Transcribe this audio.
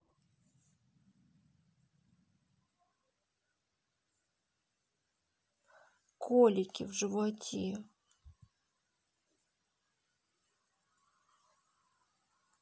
колики в животе